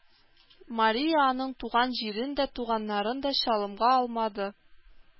Мария аның туган җирен дә, туганнарын да чалымга алмады.